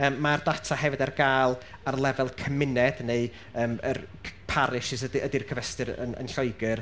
yym ma'r data hefyd ar gael ar lefel cymuned neu yym yr c- parishes ydy'r cyfystyr yn yn Lloegr.